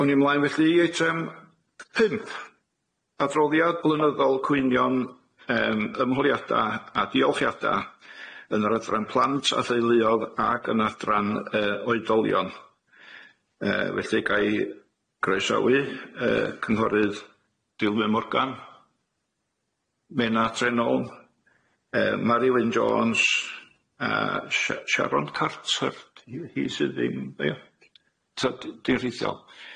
O'n ni ymlaen felly i eitem pump, adroddiad blynyddol cwynion yym ymholiada a diolchiada yn yr adran plant a theuluodd ag yn adran yy oedolion, yy felly gai groesawu yy cynhwrydd Dilwyn Morgan, Menna Trenholm yy Mari-Wynne Jones a Si- Sharon Carter hi- hi sydd ddim ie, t'od di- di-rheithiol?